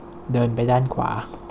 เดินไปด้านขวา